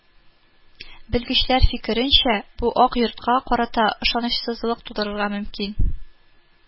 Белгечләр фикеренчә, бу Ак Йортка карата ышанычсызлык тудырырга мөмкин